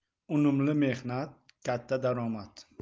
unumli mehnat katta daromad